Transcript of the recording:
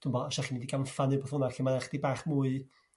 Dw'mbo' os 'ach chi'n mynd i gampfa ne' 'wbath fel 'a lle mae o 'chydig bach mwy